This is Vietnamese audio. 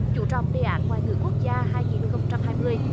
chú trọng đề án ngoại ngữ quốc gia hai nghìn không trăm hai mươi